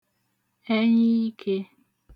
ẹyiikē